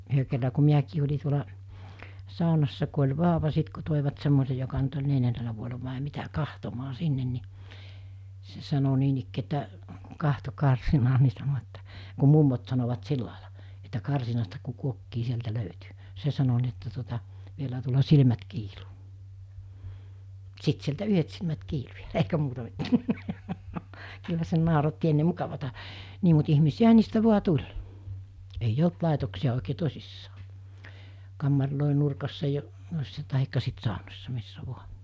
yhden kerran kun minäkin olin tuolla saunassa kun oli vauva sitten kun toivat semmoisen joka nyt oli neljännellä vuodella vai mitä katsomaan sinne niin se sanoi niinikään että katso karsinaan niin sanoi että kun mummot sanovat sillä lailla että karsinasta kun kuokkii sieltä löytyi se sanoi niin että tuota vielähän tuolla silmät kiiluu sitten sieltä yhdet silmät kiilui ja eikä muuta mitään kyllä se nauratti ennen mukavaa niin mutta ihmisiähän niistä vain tuli ei ollut laitoksia oikein tosissaan kammareiden nurkassa - tai sitten saunassa missä vain